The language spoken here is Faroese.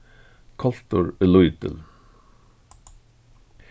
koltur er lítil